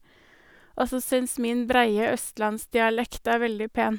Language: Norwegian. Og som syns min breie østlandsdialekt er veldig pen.